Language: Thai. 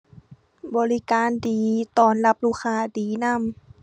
บริการดี ต้อนรับลูกค้าดีนำ